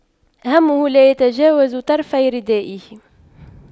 همه لا يتجاوز طرفي ردائه